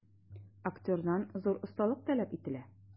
Актердан зур осталык таләп ителә.